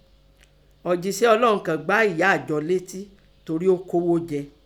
Ọ̀jíṣẹ́ ọlọ́un kàn gbá ẹ̀yá èjọ létí torí ọ́ kóghó jẹ.